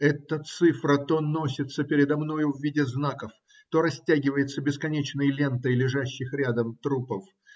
Эта цифра то носится передо мною в виде знаков, то растягивается бесконечной лентой лежащих рядом трупов.